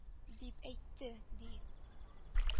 — дип әйтте, ди.